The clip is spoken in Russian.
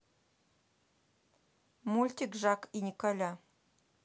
мультик жак и николя